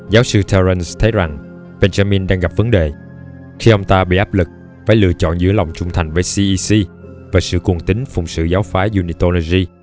giáo sư terence thấy rằng benjamin đang gặp vấn đề khi ông ta bị áp lực phải lựa chọn giữa lòng trung thành với cec và sự cuồng tín phụng sự giáo phái unitology